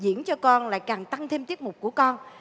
diễn cho con lại càng tăng thêm tiết mục của con